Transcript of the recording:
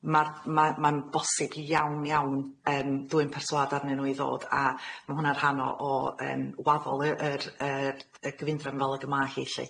Ma'r ma' ma'n bosib iawn iawn yym dwyn perswâd arnyn nhw i ddod a ma' hwnna'n rhan o yym waddol y- yr yy yy gyfundrefn fel ag yma hi lly.